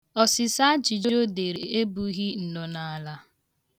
Osịsa ajụjụ o dere ebughi nnọnaala.